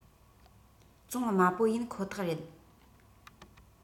བཙོང དམའ པོ ཡིན ཁོ ཐག རེད